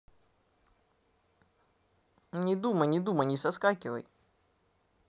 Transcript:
не думай не думай не соскакивай